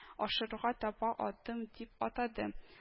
Ашыруга таба адым дип атады